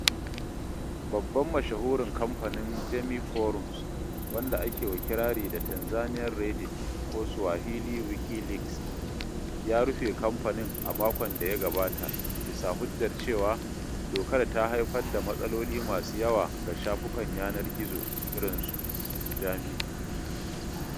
Babban Mashahurin kamfanin Jamii Forums — wanda akewa kirari da "Tanzanian Reddit" ko "Swahili Wikileaks" — ya rufe kamfanin a makon da ya gabata, bisa hujjar cewa dokar ta haifar da matsaloli masu yawa ga shafukan yanar gizo irin su Jamii.